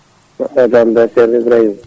mbaɗa tampere ceerno Ibrahima